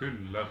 kyllä